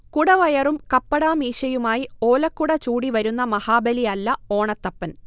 കുടവയറും കപ്പടാമീശയുമായി ഓലക്കുട ചൂടിവരുന്ന മഹാബലിയല്ല ഓണത്തപ്പൻ